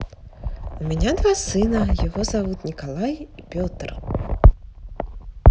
у меня два сына его зовут николай и петр